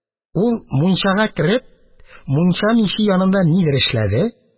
Ул, мунчага кереп, мунча миче янында нидер эшләде.